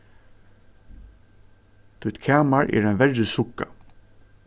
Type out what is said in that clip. títt kamar er ein verri sugga